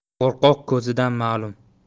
qo'rqoq ko'zidan ma'lum